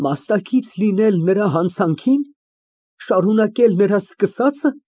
Մասնակից լինել նրա ծանր հանցանքի՞ն, շարունակել նրա սկսա՞ծը։